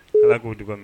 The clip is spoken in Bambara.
Ala k'o dug mɛn